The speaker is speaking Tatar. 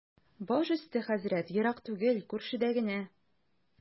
Баш өсте, хәзрәт, ерак түгел, күршедә генә.